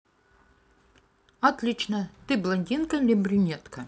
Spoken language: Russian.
отлично ты блондинка или брюнетка